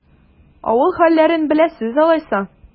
Авыл хәлләрен беләсез алайса?